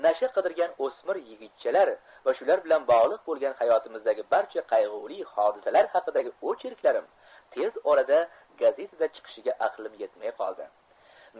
nasha qidirgan o'smir yigitchalar va shular bilan bog'liq bo'lgan hayotimizdagi barcha qayg'uli hodisalar haqidagi ocherklarim tez orada gazetada chiqishiga aqlim yetmay koldi